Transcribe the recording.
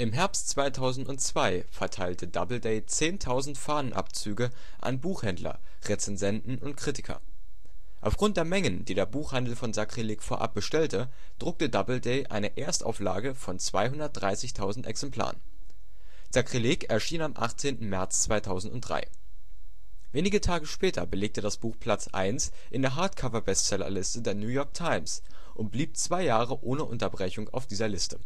Herbst 2002 verteilte Doubleday 10.000 Fahnenabzüge an Buchhändler, Rezensenten und Kritiker. Aufgrund der Mengen, die der Buchhandel von Sakrileg vorab bestellte, druckte Doubleday eine Erstauflage von 230.000 Exemplaren. Sakrileg erschien am 18. März 2003. Wenige Tage später belegte das Buch Platz 1 in der Hardcover-Bestsellerliste der New York Times und blieb zwei Jahre ohne Unterbrechung in dieser Liste